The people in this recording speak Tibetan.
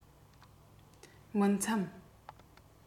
མི འཚམས